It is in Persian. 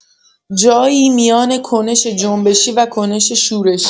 جایی میان کنش جنبشی و کنش شورشی